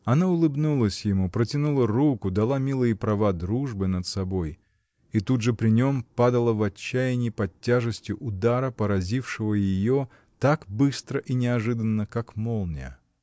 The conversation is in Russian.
Она улыбнулась ему, протянула руку, дала милые права дружбы над собой — и тут же при нем падала в отчаянии под тяжестью удара, поразившего ее так быстро и неожиданно, как молния.